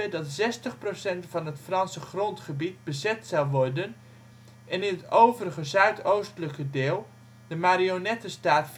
dat zestig procent van het Franse grondgebied bezet zou worden en in het overige zuidoostelijke deel de marionettenstaat